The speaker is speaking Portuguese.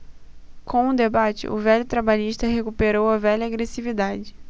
com o debate o velho trabalhista recuperou a velha agressividade